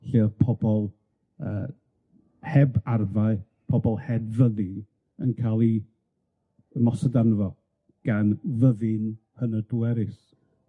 Lle oedd pobol yy heb arfau, pobol heb fyddin yn ca'l 'u ymosod arno fo, gan fyddin hynod bwerus.